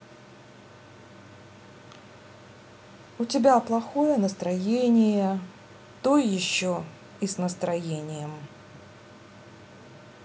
у тебя плохое настроение то еще и с настроением